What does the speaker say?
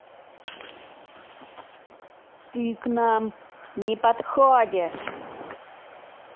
ты к нам не подходишь